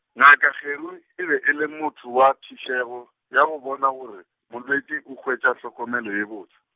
ngaka Kgeru, e be e le motho wa phišego, ya go bona gore, molwetši o hwetša tlhokomelo ye botse.